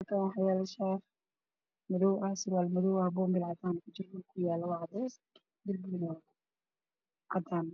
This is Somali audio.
Halkan waxa yaalo shaar madow ah surwaal madow ah boonbilo cadan ah ku jiro dhulka oow yaalo waa cades dirbiga waa cadan